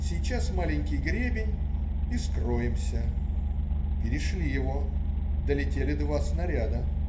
Сейчас маленький гребень и скроемся. Перешли его. Долетели два снаряда.